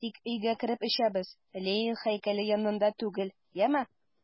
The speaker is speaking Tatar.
Тик өйгә кереп эчәбез, Ленин һәйкәле янында түгел, яме!